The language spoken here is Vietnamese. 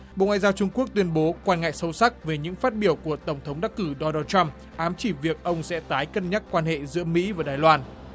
bộ ngoại giao trung quốc tuyên bố quan ngại sâu sắc về những phát biểu của tổng thống đắc cử đôn nồ trum ám chỉ việc ông sẽ tái cân nhắc quan hệ giữa mỹ và đài loan